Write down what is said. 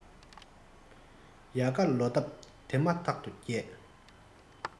ཡལ ག ལོ འདབ དེ མ ཐག ཏུ རྒྱས